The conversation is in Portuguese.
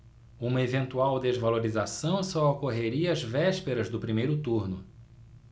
uma eventual desvalorização só ocorreria às vésperas do primeiro turno